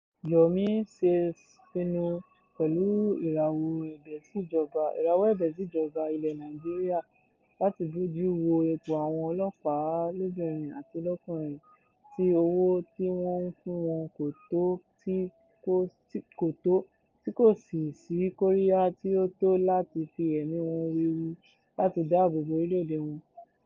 Yomi Says pinnu pẹ̀lú ìrawọ́ ẹ̀bẹ̀ sí ìjọba ilẹ̀ Nàìjíríà láti bójú wo ipò àwọn ọlọ́pàá lóbìnrin àti lọ́kùnrin tí owó tí wọ́n ń fún wọn kò tó tí kò sì sí kóríyá tí ó tó láti fi ẹ̀mí wọn wewu láti dáàbò bo orílẹ̀ èdè wọn.